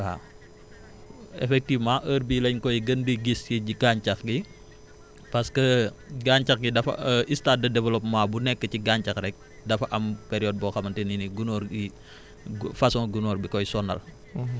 waaw effectivement heure bii lañ koy gën di gis si gàncax gi parce que gàncax gi dafa stade de développement bu nekk ci gàncax rek dafa am période boo xamante ne ni gunóor gi gu façon gunóor bi koy sonal